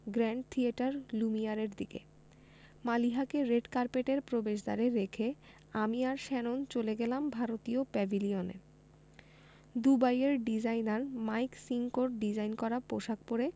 grand theatre লুমিয়ারের দিকে মালিহাকে রেড কার্পেটের প্রবেশদ্বারে রেখে আমি আর শ্যানন চলে গেলাম ভারতীয় প্যাভিলিয়নে দুবাইয়ের ডিজাইনার মাইক সিঙ্কোর ডিজাইন করা পোশাক পরে